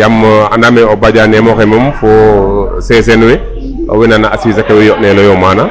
yaam anda me O Badian oxe moom fo Sésen we owey nanaa a siis ake o wey yo'nelooyo maana .